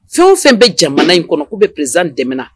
Fɛn fɛn bɛ jamana in kɔnɔ k'u bɛ psan dɛmɛ